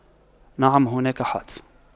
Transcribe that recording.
نعم هناك حادث